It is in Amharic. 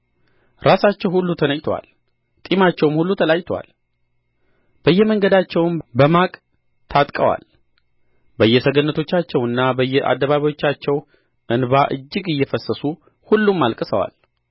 ራሳቸው ሁሉ ተነጭቶአል ጢማቸውም ሁሉ ተላጭቶአል በየመገዳቸውም በማቅ ታጥቀዋል በየሰገነቶቻቸውና በየአደባባዮቻቸው እንባ እጅግ እያፈሰሱ ሁሉም አልቅሰዋል